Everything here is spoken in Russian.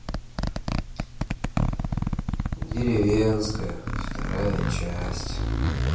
деревенская вторая часть